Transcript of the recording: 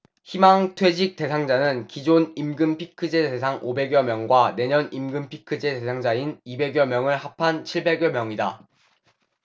희망퇴직 대상자는 기존 임금피크제 대상 오백 여 명과 내년 임금피크제 대상자인 이백 여 명을 합한 칠백 여 명이다